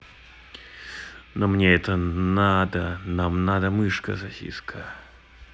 но мне это надо нам надо мышка сосиска